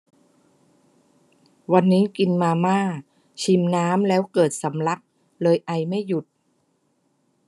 วันนี้กินมาม่าชิมน้ำแล้วเกิดสำลักเลยไอไม่หยุด